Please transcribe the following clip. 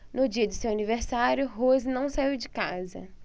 no dia de seu aniversário rose não saiu de casa